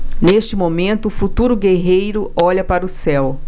neste momento o futuro guerreiro olha para o céu